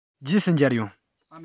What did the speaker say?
རྗེས སུ མཇལ ཡོང